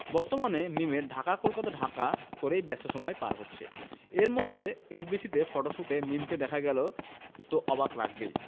বর্তমানে মিমের ঢাকা কলকাতা ঢাকা করেই ব্যস্ত সময় পার হচ্ছে এরমধ্যে এফডিসিতে ফটোশুটে মিমকে দেখা গেল তো অবাক লাগবেই